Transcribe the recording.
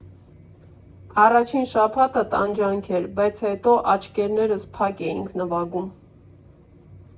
Առաջին շաբաթը տանջանք էր, բայց հետո աչքերներս փակ էինք նվագում.